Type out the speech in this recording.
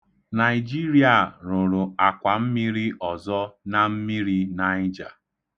Naịjiria rụrụ akwammiri ọzọ na mmiri Naịja.